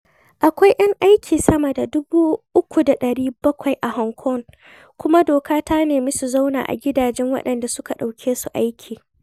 Akwai 'yan aiki sama da 370,000 a Hong Kong kuma doka ta nemi su zauna a gidajen waɗanda suka ɗauke su aiki.